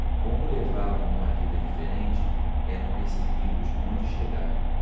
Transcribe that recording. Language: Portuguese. como levavam uma vida diferente eram perseguidos onde chegavam